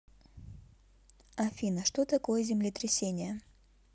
афина что такое землетрясение